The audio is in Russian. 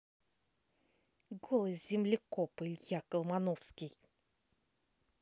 голый землекоп илья колмановский